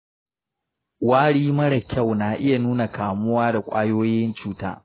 wari mara kyau na iya nuna kamuwa da ƙwayoyin cuta.